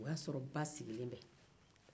o y'a sɔrɔ ba sigilen don